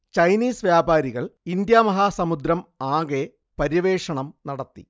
Chinese വ്യാപാരികൾ ഇന്ത്യാമഹാസമുദ്രം ആകെ പര്യവേഷണം നടത്തി